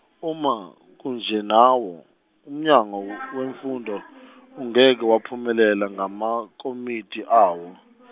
uma kunje nawo uMnyango weMfundo ungeke waphumelela ngamakomiti awo .